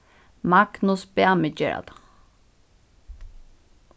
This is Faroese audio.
magnus bað meg gera tað